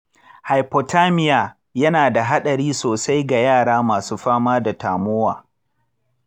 hypothermia yana da haɗari sosai ga yara masu fama da tamowa.